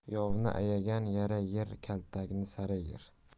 yovni ayagan yara yer kaltagini sara yer